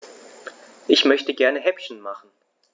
Ich möchte gerne Häppchen machen.